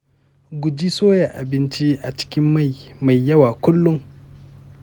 guji soya abinci a cikin mai mai yawa kullum.